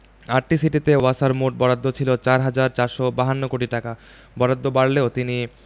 আটটি সিটিতে ওয়াসার মোট বরাদ্দ ছিল ৪ হাজার ৪৫২ কোটি টাকা বরাদ্দ বাড়লেও তিনি